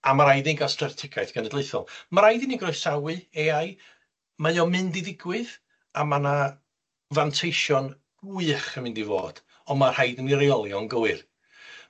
A ma' raid i ni ga'l strategaeth genedlaethol ma' raid i ni groesawu Ay I mae o mynd i ddigwydd a ma' 'na fanteision wych yn mynd i fod, on' ma' rhaid i ni reoli o'n gywir.